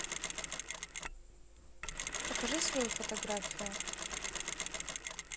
покажи свою фотографию